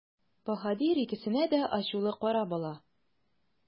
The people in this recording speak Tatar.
Баһадир икесенә дә ачулы карап ала.